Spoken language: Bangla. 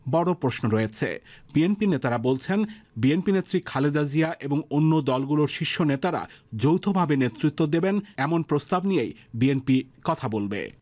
বড় প্রশ্ন রয়েছে নেতারা বলছেন বিএনপি নেত্রী খালেদা জিয়া এবং অন্য দলগুলোর শীর্ষ নেতারা ভাবে নেতৃত্ব দেবেন এমন প্রস্তাব নিয়েই বিএনপি কথা বলবে